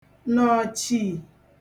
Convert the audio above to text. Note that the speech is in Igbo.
nọ̀chì